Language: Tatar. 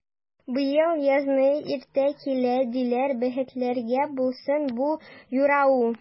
Быел язны иртә килә, диләр, бәхетләргә булсын бу юрау!